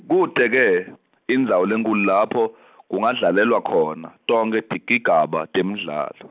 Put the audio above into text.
Kute-ke, indzawo lenkhulu lapho, kungadlalelwa khona, tonkhe tigigaba temdlalo.